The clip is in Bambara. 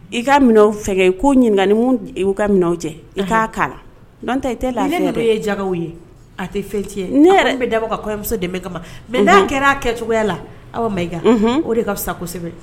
I ka minɛn o fɛ ye ko ɲininkaani' ka minɛnw cɛ i'a' n' ta tɛ la ye jagow ye a tɛ fɛn ye ne yɛrɛ bɛ dabɔ kamuso dɛmɛ kama mɛ' kɛra' kɛ cogoyaya la aw ma i o de ka fisa kosɛbɛ